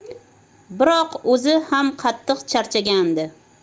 biroq o'zi ham qattiq charchagandi